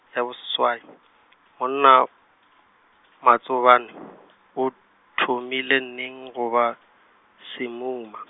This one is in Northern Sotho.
ya bo seswai , monna Matsobane , o thomile neng go ba, semuma.